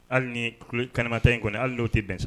Hali ni kanmata in kɔni hali n'o tɛ bɛn sa